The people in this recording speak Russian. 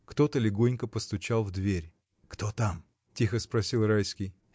Кто-то легонько постучал в дверь. — Кто там? — тихо спросил Райский.